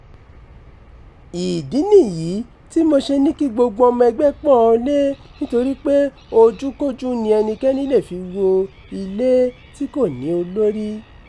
Ìdí nìyí tí mo ṣe ní kí gbogbo ọmọ ẹgbẹ́ pọ́n ọn lé nítorí pé ojúkójú ni ẹnikẹ́ni lè fi wo ilé tí kò ní olórí.